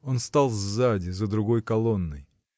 Он стал сзади, за другой колонной.